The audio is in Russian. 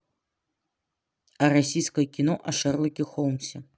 а российское кино о шерлоке холмсе